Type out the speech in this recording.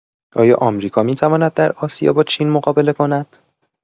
آیا آمریکا می‌تواند در آسیا با چین مقابله کند؟